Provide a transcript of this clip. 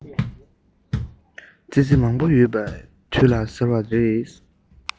ཙི ཙི མང པོ ཡོད པའི དུས ལ ཟེར བ རེད